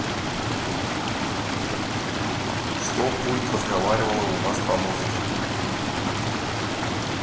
что пульт разговаривала у нас по музыке